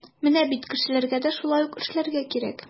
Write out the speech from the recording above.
Менә бит кешеләргә дә шулай ук эшләргә кирәк.